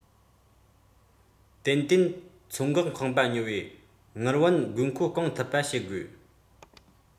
ཏན ཏན ཚོད འགོག ཁང པ ཉོ བའི དངུལ བུན དགོས མཁོ སྐོང ཐུབ པ བྱེད དགོས